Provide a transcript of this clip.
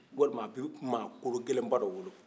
walima a bɛ ma kologɛlɛba dɔ wolo